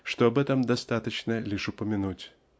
что об этом достаточно лишь упомянуть.